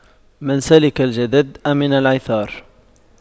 من سلك الجدد أمن العثار